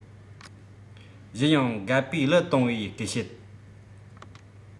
གཞན ཡང དགའ པོའི གླུ གཏོང བའི སྐད ཤེད